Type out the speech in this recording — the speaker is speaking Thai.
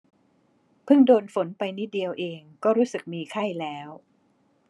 เพิ่งโดนฝนไปนิดเดียวเองก็รู้สึกมีไข้แล้ว